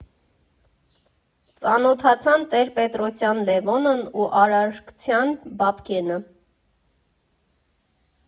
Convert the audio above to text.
Ծանոթացան Տեր֊Պետրոսյան Լևոնն ու Արարքցյան Բաբկենը։